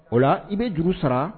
O la i bɛ jugu sara